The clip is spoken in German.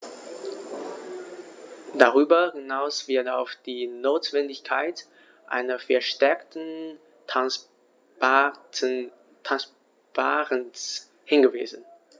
Darüber hinaus wird auf die Notwendigkeit einer verstärkten Transparenz hingewiesen.